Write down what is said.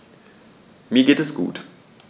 Mir geht es gut.